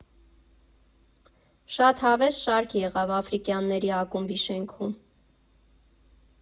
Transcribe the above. Շատ հավես շարք եղավ Աֆրիկյանների ակումբի շենքում։